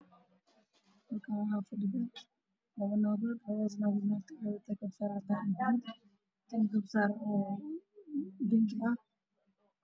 Halkaan waxaa fadhiso labo naag midi waxay wadataa garbasaar cadaan ah, midna garbasaar bingi ah.